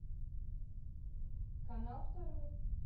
канал второй